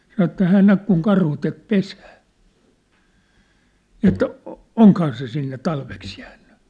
sanoi että hän näki kun karhu teki pesää niin että onkohan se sinne talveksi jäänyt